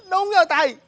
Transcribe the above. đúng rồi thầy